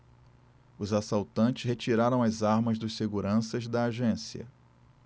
os assaltantes retiraram as armas dos seguranças da agência